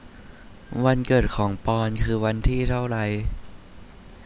วันเกิดของปอนด์คือวันที่เท่าไร